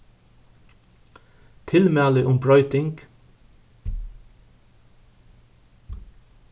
tilmæli um broyting